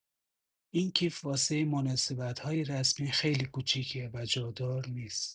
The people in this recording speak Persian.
این کیف واسه مناسبت‌های رسمی خیلی کوچیکه و جادار نیست.